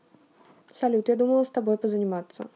салют я думала с тобой позаниматься